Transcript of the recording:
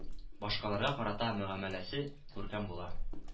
Башкаларга карата мөгамәләсе күркәм була